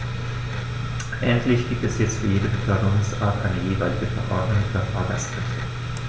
Endlich gibt es jetzt für jede Beförderungsart eine jeweilige Verordnung über Fahrgastrechte.